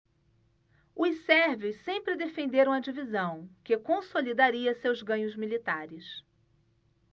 os sérvios sempre defenderam a divisão que consolidaria seus ganhos militares